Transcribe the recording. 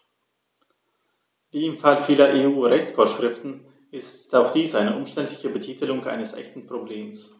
Wie im Fall vieler EU-Rechtsvorschriften ist auch dies eine umständliche Betitelung eines echten Problems.